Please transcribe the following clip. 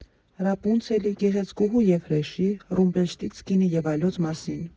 Ռապունցելի, Գեղեցկուհու և Հրեշի, Ռումպելշտիցկինի և այլոց մասին։